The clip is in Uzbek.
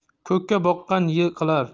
ko'kka boqqan yiqilar